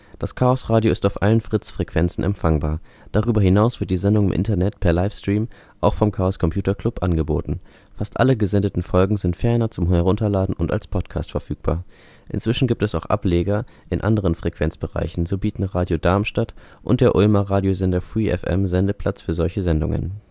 Das Chaosradio ist auf allen Fritz-Frequenzen empfangbar. Darüber hinaus wird die Sendung im Internet per Livestream, auch vom Chaos Computer Club, angeboten. Fast alle gesendeten Folgen sind ferner zum Herunterladen und als Podcast verfügbar. Inzwischen gibt es auch Ableger in anderen Frequenzbereichen, so bieten Radio Darmstadt und der Ulmer Radiosender freeFM Sendeplatz für solche Sendungen